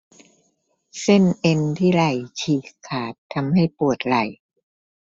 เส้นเอ็นที่ไหล่ฉีกขาดทำให้ปวดไหล่